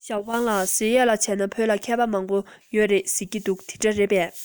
ཞའོ ཧྥུང ལགས ཟེར ཡས ལ བྱས ན ལོ རྒྱུས ཐོག བོད ལ མཁས པ མང པོ བྱུང བ རེད ཟེར གྱིས དེ འདྲ རེད པས